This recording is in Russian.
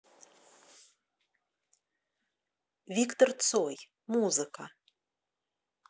виктор цой музыка